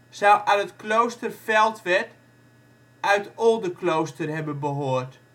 zou aan het klooster Feldwerd uit Oldenklooster hebben behoord